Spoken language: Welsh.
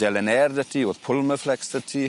Delynnair 'dy ti? O'dd Pulmerflex 'dy ti.